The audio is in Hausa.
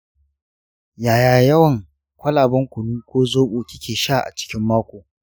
yaya yawan kwalaben kunu ko zobo kike sha a cikin mako?